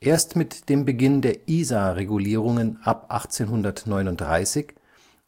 Erst mit dem Beginn der Isar-Regulierungen ab 1839